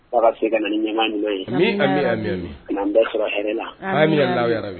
Fo a ka segin ka na ni ɲɛmaa ɲuma ye ka n'an bɛɛ sɔrɔ hɛrɛ la.